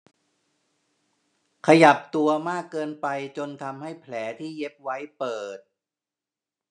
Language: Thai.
ขยับตัวมากเกินไปจนทำให้แผลที่เย็บไว้เปิด